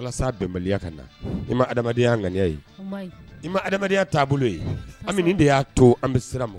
Walasa a bɛnbaliya ka na, i ma adamadenya ɲaniya ye , la ma ni , i ma adamadenya taabolo ? Ami nin de y'a to an bɛ siran mɔgɔw